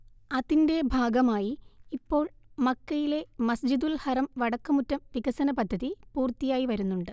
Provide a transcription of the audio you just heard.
അതിന്റെ ഭാഗമായി ഇപ്പോൾ മക്കയിലെ മസ്ജിദുൽ ഹറം വടക്ക് മുറ്റം വികസനപദ്ധതി പൂർത്തിയായി വരുന്നുണ്ട്